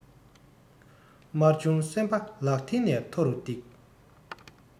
དམར ཆུང སེམས པ ལག མཐིལ ནས མཐོ རུ བཏེགས